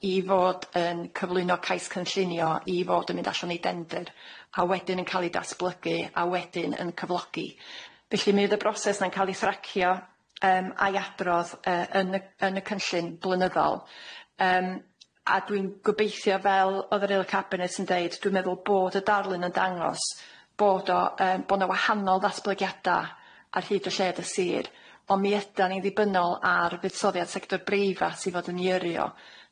i fod yn cyflwyno cais cynllunio i fod yn mynd allan i a wedyn yn ca'l i datblygu a wedyn yn cyflogi felly mi fydd y broses yn ca'l i thracio yym a'i adrodd yy yn y yn y cynllun blynyddol yym a dwi'n gobeithio fel o'dd yr aelod cabinet yn deud dwi'n meddwl bod y darlun yn dangos bod o yym bo' na wahanol ddatblygiada ar hyd y lled a sir on' mi ydan ni'n ddibynnol ar fuddsoddiad sector breifat i fod yn i yrru o.